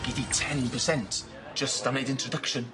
Gei di ten percent jyst am neud introduction.